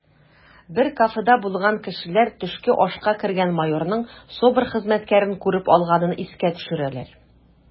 Бер кафеда булган кешеләр төшке ашка кергән майорның СОБР хезмәткәрен күреп алганын искә төшерәләр: